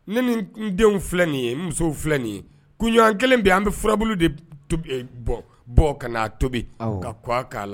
Ni ni denw filɛ nin ye muso filɛ nin ye kunɲɔgɔn kelen bɛ an bɛ furabu de bɔ ka'a tobi ka k k'a la